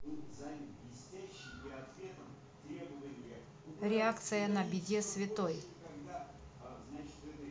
реакция на беде святой